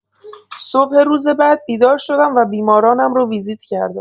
صبح روز بعد بیدار شدم و بیمارانم رو ویزیت کردم.